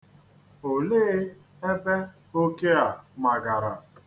Olee ebe oke a magara?